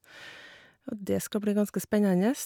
Og det skal bli ganske spennende.